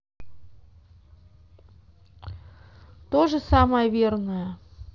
тоже самое верное